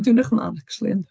Dwi'n edrych ymlaen acshyli.